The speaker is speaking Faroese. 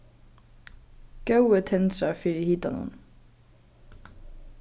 góði tendra fyri hitanum